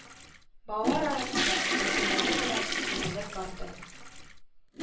Балалар арасында бәйгеләре белән үрелеп барды